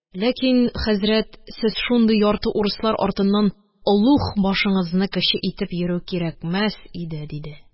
Ләкин, хәзрәт, сез шундый ярты урыслар артыннан олуг башыңызны кече итеп йөрү кирәкмәс иде, – диде